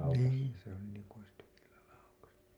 niin se oli niin kuin olisi tykillä laukaissut